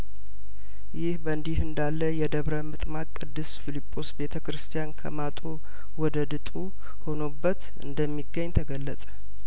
ይህ በእንዲህ እንዳለ የደብረ ምጥማቅ ቅዱስ ፊልጶስ ቤተክርስቲያን ከማጡ ወደ ድጡ ሆኖበት እንደሚገኝ ተገለጸ